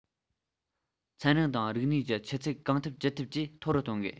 ཚན རིག དང རིག གནས ཀྱི ཆུ ཚད གང ཐུབ ཅི ཐུབ ཀྱིས མཐོ རུ གཏོང དགོས